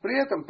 При этом.